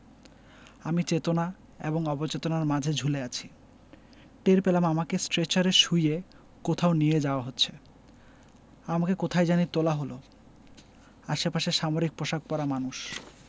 আমি চেতনা এবং অবচেতনার মাঝে ঝুলে আছি টের পেলাম আমাকে স্ট্রেচারে শুইয়ে কোথাও নিয়ে যাওয়া হচ্ছে আমাকে কোথায় জানি তোলা হলো আশেপাশে সামরিক পোশাক পরা মানুষ